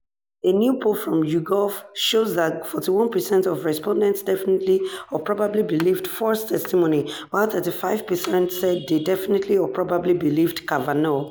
A new poll from YouGov shows that 41 percent of respondents definitely or probably believed Ford's testimony, while 35 percent said they definitely or probably believed Kavanaugh.